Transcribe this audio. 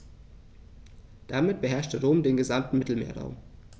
Damit beherrschte Rom den gesamten Mittelmeerraum.